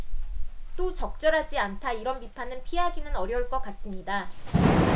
또 적절하지 않다 이런 비판은 피하기는 어려울 것 같습니다